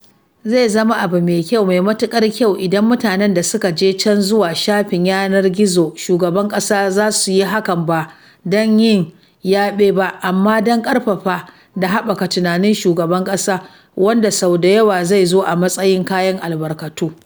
Zai zama abu mai kyau, mai matuƙar kyau, idan mutanen da suka je can (zuwa shafin yanar gizon Shugaban Kasa) za su yi hakan ba don “yin yabe” ba, amma don ƙarfafa da haɓaka tunanin Shugaban Kasa wanda sau da yawa zai zo a matsayin “kayan albarkatu.”